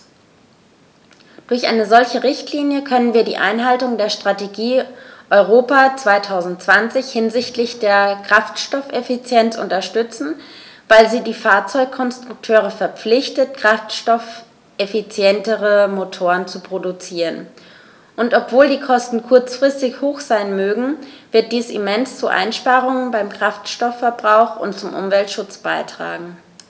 Durch eine solche Richtlinie können wir die Einhaltung der Strategie Europa 2020 hinsichtlich der Kraftstoffeffizienz unterstützen, weil sie die Fahrzeugkonstrukteure verpflichtet, kraftstoffeffizientere Motoren zu produzieren, und obwohl die Kosten kurzfristig hoch sein mögen, wird dies immens zu Einsparungen beim Kraftstoffverbrauch und zum Umweltschutz beitragen.